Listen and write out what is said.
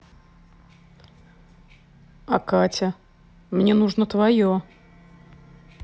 а катя мне нужно твое